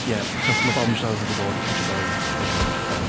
Ie, achos mae bombshells sy 'di bod, bwnsh o bois, they're doing nothing.